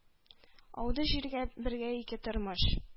Ауды җиргә бергә ике тормыш,